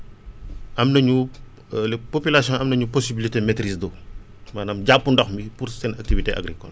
am nañu population bi am nañu possibilité maitrise d' eau ci maanaam jàpp ndox mi pour seen activité agricole